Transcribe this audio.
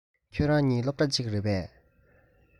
ཁྱེད རང གཉིས སློབ གྲ གཅིག རེད པས